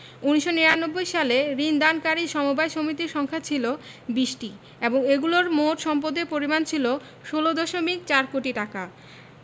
১৯৯৯ সালে ঋণ দানকারী সমবায় সমিতির সংখ্যা ছিল ২০টি এবং এগুলোর মোট সম্পদের পরিমাণ ছিল ১৬দশমিক ৪ কোটি টাকা